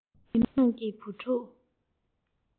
མི དམངས ཀྱི བུ ཕྲུག